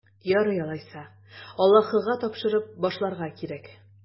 Ярый алайса, Аллаһыга тапшырып башларга кирәк.